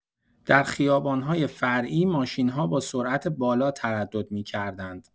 در خیابان‌های فرعی، ماشین‌ها با سرعت بالا تردد می‌کردند.